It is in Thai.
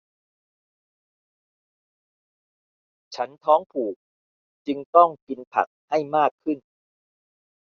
ฉันท้องผูกจึงต้องกินผักให้มากขึ้น